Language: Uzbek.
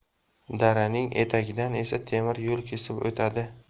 daraning etagidan esa temir yo'l kesib o'tadi